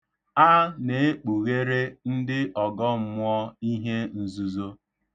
A na-ekpughere ndị ọgọmmụọ ihe nzuzo.